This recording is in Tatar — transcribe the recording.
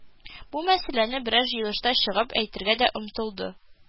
Бу мәсьәләне берәр җыелышта чыгып әйтергә дә омтылды